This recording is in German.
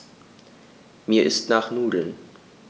Mir ist nach Nudeln.